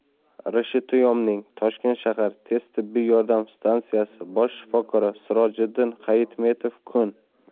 rshtyoimning toshkent shahar tez tibbiy yordam stansiyasi bosh shifokori sirojiddin hayitmetov kun